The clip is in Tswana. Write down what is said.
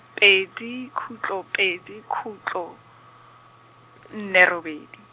pedi khutlo pedi khutlo, nne robedi.